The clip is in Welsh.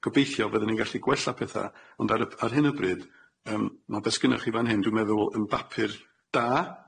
Gobeithio fyddwn ni'n gallu gwella petha, ond ar y p- ar hyn o bryd, yym ma' be' s'ginnoch chi fan hyn dwi'n meddwl yn bapur da.